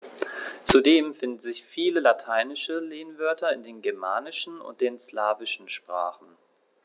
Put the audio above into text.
Zudem finden sich viele lateinische Lehnwörter in den germanischen und den slawischen Sprachen.